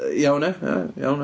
Iawn ia ia, iawn, ia.